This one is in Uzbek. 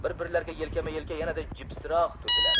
bir birlariga yelkama elka yanada jipsroq turdilar